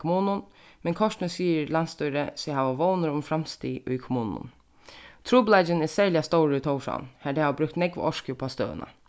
kommunum men kortini sigur landsstýrið seg hava vónir um framstig í kommununum trupulleikin er serliga stórur í tórshavn har tey hava brúkt nógva orku upp á støðuna